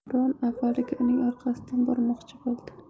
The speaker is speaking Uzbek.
davron avvaliga uning orqasidan bormoqchi bo'ldi